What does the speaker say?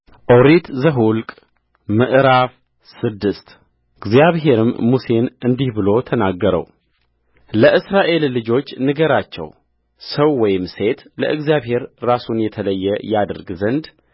ኦሪት ዘኍልቍ ምዕራፍ ስድስት እግዚአብሔርም ሙሴን እንዲህ ብሎ ተናገረውለእስራኤል ልጆች ንገራቸው ሰው ወይም ሴት ለእግዚአብሔር ራሱን የተለየ ያደርግ ዘንድ